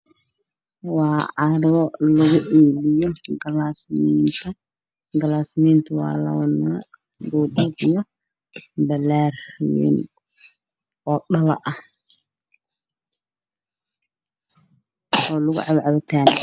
Waa carwo lugu iibiyo galaasmiinta waa labo nuuc kuwo dhuudhuub ah iyo ballaar oo dhalo ah waxaa lugu cabaa cabitaanka.